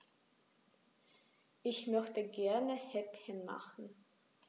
Ich möchte gerne Häppchen machen.